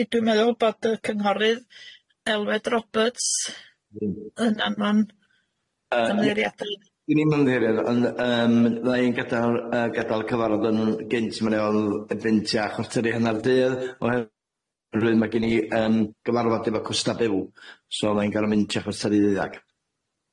Ydi dwi'n meddwl bod yy cynghorydd Elwed Roberts yn an- ma'n yy yym dim ymdddiheriad ond yym ddau'n gadal yy gadal cyfarfod yn gynt ma' rwun yn mynd tua chwarter i hynna'r dydd oher- rywun ma' gin i yn gyfarfod efo costa byw, so fyddai'n gor'o' mynd tua chwarter i ddeuddag.